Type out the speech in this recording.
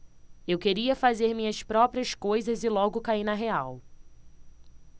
eu queria fazer minhas próprias coisas e logo caí na real